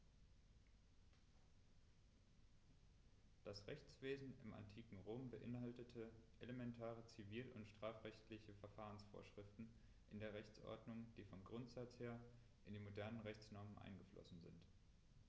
Das Rechtswesen im antiken Rom beinhaltete elementare zivil- und strafrechtliche Verfahrensvorschriften in der Rechtsordnung, die vom Grundsatz her in die modernen Rechtsnormen eingeflossen sind.